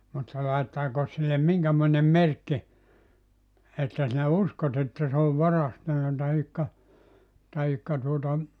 mutta laittaako sille minkämoinen merkki että sinä uskot että se on varastanut tai tai tuota